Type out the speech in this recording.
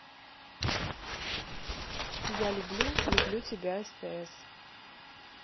я люблю люблю тебя стс